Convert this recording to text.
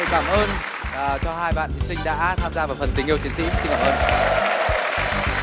ờ cho hai bạn thí sinh đã tham gia vào phần tình yêu chiến sĩ xin cảm ơn